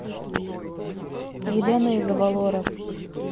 елена из авалора